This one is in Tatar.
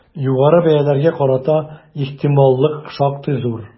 Югары бәяләргә карата ихтималлык шактый зур.